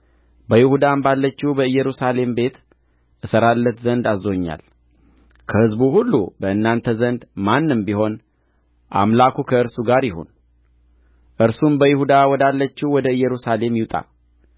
በይሁዳም ባለችው በኢየሩሳሌም ቤት እሠራለት ዘንድ አዝዞኛል ከሕዝቡ ሁሉ በእንናተ ዘንድ ማንም ቢሆን አምላኩ ከእርሱ ጋር ይሁን እርሱም በይሁዳ ወዳለችው ወደ ኢየሩሳሌም ይውጣ